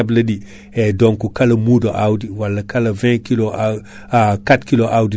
ko solution wonande reemoɓe surtout reemoɓe foutankoɓe